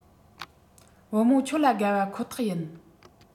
བུ མོ ཁྱོད ལ དགའ བ ཁོ ཐག ཡིན